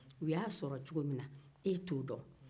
u y'a sɔrɔ cogomi na e tɛ o dɔn